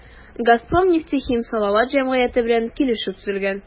“газпром нефтехим салават” җәмгыяте белән килешү төзелгән.